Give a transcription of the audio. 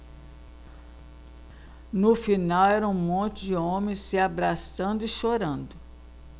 no final era um monte de homens se abraçando e chorando